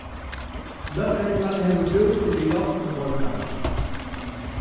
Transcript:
løgreglan hevur brúk fyri hjálp frá borgarunum